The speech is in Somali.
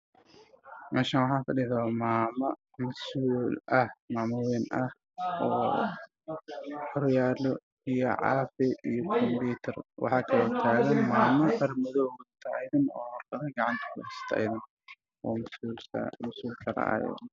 Waanag miiscad gacmaha usaaran yihiin oo suud xiran io go cad biyo caafi baana hoyaalo